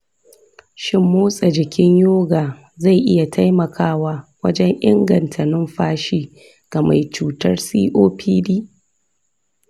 shin motsa jikin yoga zai iya taimakawa wajen inganta numfashi ga mai cutar copd?